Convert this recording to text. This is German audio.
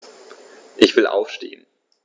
Ich will aufstehen.